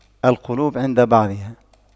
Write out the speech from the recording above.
القلوب عند بعضها